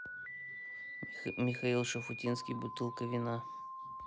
михаил шуфутинский бутылка вина